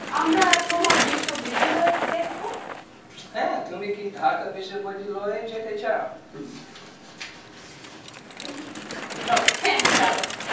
আমরা তোমার বিশ্ববিদ্যালয় দেখব হ্যাঁ তুমি কি ঢাকা বিশ্ববিদ্যালয়ে যেতে চাও হ্যাঁ চলো